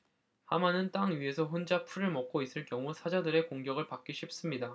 하마는 땅 위에서 혼자 풀을 먹고 있을 경우 사자들의 공격을 받기 쉽습니다